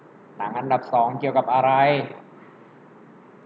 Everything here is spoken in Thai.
หนังอันดับสองเกี่ยวกับอะไร